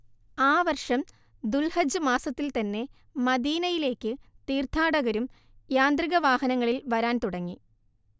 ആ വർഷം ദുൽഹജ്ജ് മാസത്തിൽ തന്നെ മദീനയിലേക്ക് തീർത്ഥാടകരും യാന്ത്രിക വാഹനങ്ങളിൽ വരാൻ തുടങ്ങി